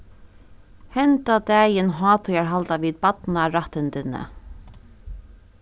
henda dagin hátíðarhalda vit barnarættindini